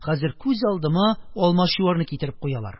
Хәзер күз алдыма алмачуарны китереп куялар.